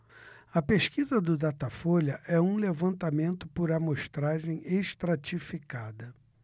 a pesquisa do datafolha é um levantamento por amostragem estratificada